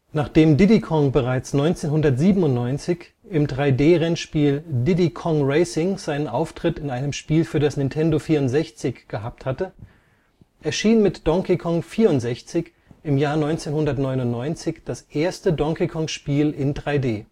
Nachdem Diddy Kong bereits 1997 im 3D-Rennspiel Diddy Kong Racing seinen Auftritt in einem Spiel für das Nintendo 64 gehabt hatte, erschien mit Donkey Kong 64 1999 das erste Donkey-Kong-Spiel in 3D